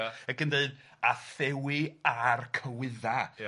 ac yn deud 'A thewi â'r cywyddau'. Ia.